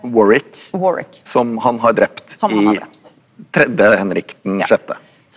Warwick som han har drept i tredje Henrik den sjette.